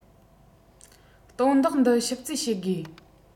དོན དག འདི ཞིབ རྩད བྱེད དགོས